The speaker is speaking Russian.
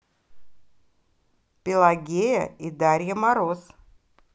пелагея и дарья мороз